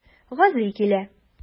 Гази килә.